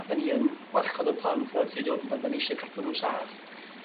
A 'dyn ni yn gwarchod 'yn plant yn naturiol 'dydan. 'Dan ni isio cadw nhw'n saff.